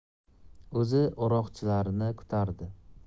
o'z o'roqchilarini kutardi